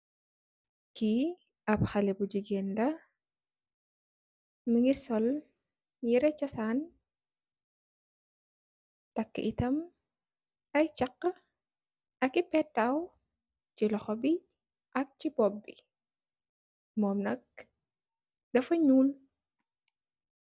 Ki ap xale bu jigeen la mogi sol yereh chosan taki tam ay chaha akit petaw si loxo bi ak si mbobi momm nak dafa nuul.